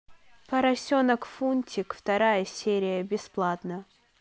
поросенок фунтик вторая серия бесплатно